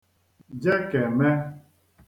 jekème